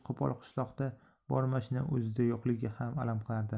qo'pol qishloqida bor mashina o'zida yo'qligi alam qilardi